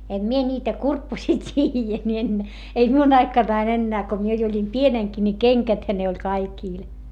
en minä niitä kurpposia tiedä minä en ei minun aikanani enää kun minä jo olin pienenkin niin kengäthän ne oli kaikilla